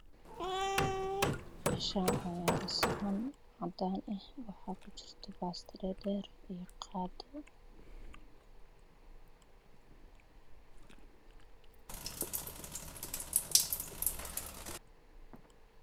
Meshan waxayalo saxan cadan ah waxa kujira baasto dhedher io qaado